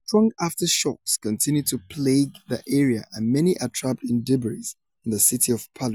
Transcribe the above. Strong aftershocks continue to plague the area and many are trapped in debris in the city of Palu.